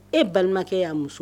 E balimakɛ y'a muso